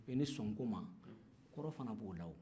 i ni sɔn ko ma kɔrɔ fana b'o la